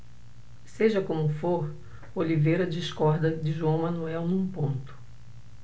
seja como for oliveira discorda de joão manuel num ponto